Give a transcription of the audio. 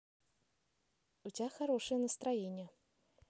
у тебя хорошее настроение